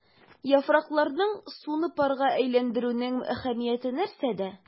Яфракларның суны парга әйләндерүнең әһәмияте нәрсәдә?